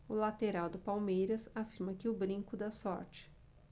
o lateral do palmeiras afirma que o brinco dá sorte